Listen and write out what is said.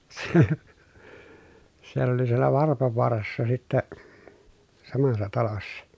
siellä oli siellä Varpavaarassa sitten samassa talossa